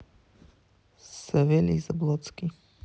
савелий заблодский